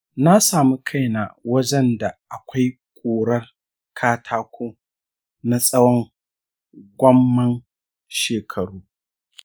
na samu kaina wajen da akwai ƙurar katako na tsawon gomman shekaru